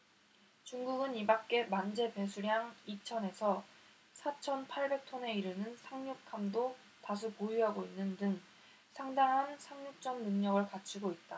중국은 이밖에 만재배수량 이천 에서 사천 팔백 톤에 이르는 상륙함도 다수 보유하고 있는 등 상당한 상륙전 능력을 갖추고 있다